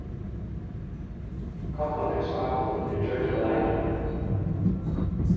kopparnir í skápinum eru gjørdir av leiri